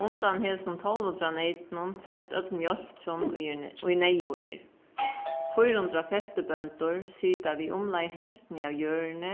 undan hesum tólv hundrað neytunum fæst øll mjólkin ið er ið neyðug er fýra hundrað festibøndur sita við umleið helvtini av jørðini